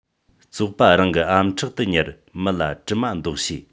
བཙོག པ རང གི ཨམ ཕྲག ཏུ ཉར མི ལ དྲི མ མདོག བྱེད